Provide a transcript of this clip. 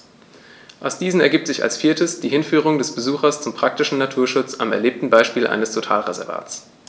Aus diesen ergibt sich als viertes die Hinführung des Besuchers zum praktischen Naturschutz am erlebten Beispiel eines Totalreservats.